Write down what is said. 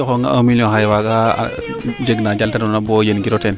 bo coxonga un million xaye waaga jeg na jalta noona bo jen kiro teen